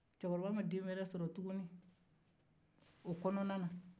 cɛkɔrɔba ma den wɛrɛ sɔrɔ tuguni o kɔnɔna na